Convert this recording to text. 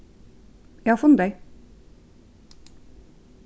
eg havi funnið tey